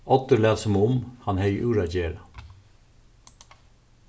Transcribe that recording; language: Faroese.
oddur læt sum um hann hevði úr at gera